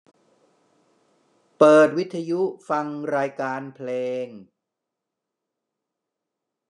เปิดวิทยุฟังรายการเพลง